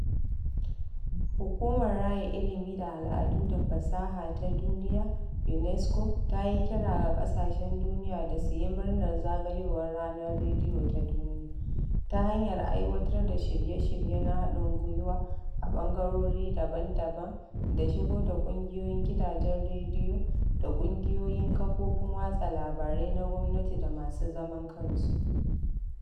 Hukumar Raya Ilimi da Al'adu da Fasaha Ta Duniya (UNESCO) ta yi kira ga ƙasashen duniya da su yi murnar zagayowar Ranar Rediyo Ta Duniya ta hanyar aiwatar da shirye-shirye na haɗin-gwiwa a ɓangarori daban-daban da shigo da ƙungiyoyin gidajen rediyo da ƙungiyoyin kafofin watsa labarai na gwamnati da masu zaman kansu.